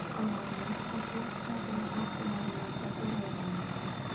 Аларны “Әкият” театры кассаларыннан сатып алырга мөмкин.